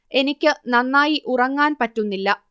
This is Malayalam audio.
എനിക്ക് നന്നായി ഉറങ്ങാൻ പറ്റുന്നില്ല